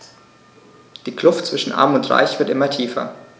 Die Kluft zwischen Arm und Reich wird immer tiefer.